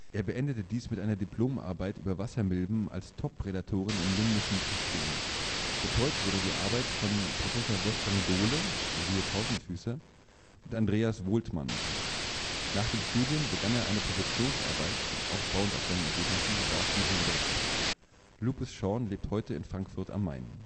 Er beendete dies mit einer Diplomarbeit über Wassermilben als Top-Predatoren in limnischen Systemen. Betreut wurde die Arbeit von Professor Wolfgang Dohle (siehe Tausendfüßer) und Andreas Wohltmann. Nach dem Studium begann er eine Promotionsarbeit aufbauend auf seinen Ergebnissen, brach diese jedoch ab. Lupus Shaun lebt heute in Frankfurt am Main